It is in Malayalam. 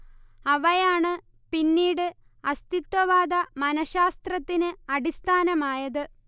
അവയാണ് പിന്നീട് അസ്തിത്വവാദ മനശാസ്ത്രത്തിന് അടിസ്ഥാനമായത്